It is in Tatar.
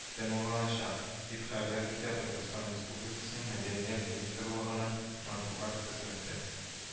Тәмамланачак, дип хәбәр итә татарстан республикасының мәдәният министрлыгының матбугат хезмәте